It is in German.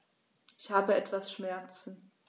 Ich habe etwas Schmerzen.